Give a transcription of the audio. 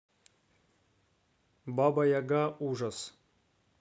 баба яга ужас